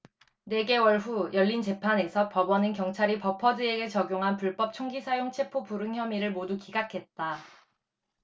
네 개월 후 열린 재판에서 법원은 경찰이 버퍼드에게 적용한 불법 총기 사용 체포 불응 혐의를 모두 기각했다